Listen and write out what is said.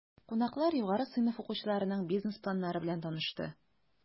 Кунаклар югары сыйныф укучыларының бизнес планнары белән танышты.